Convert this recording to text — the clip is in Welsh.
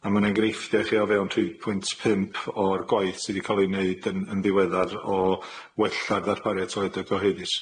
A ma' 'ne engreifftia' i chi o fewn tri pwynt pump o'r gwaith sydd 'di ca'l ei neud yn yn ddiweddar o wella'r ddarpariaeth toileda cyhoeddus.